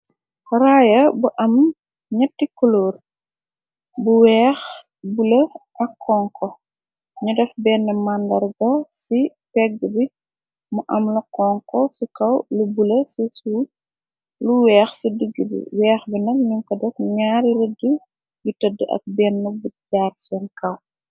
Raaya bu am ñetti culoor bu weex, bula ak xonko. Nyu def benn màndarga ci pegg bi.mu am lu xonko ci kaw. Lu bula ci suf. Lu weex ci digg bi. Weex bi nag ñyu ko dek ñaari rëddu yu tëdd ak benn bu jaar seen kaw.